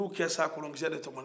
k'u kɛ sa kolonkisɛ de tɔmɔnni kan